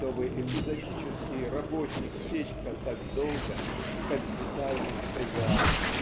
чтобы эпизодический работник Федька так долго и так детально запрягал).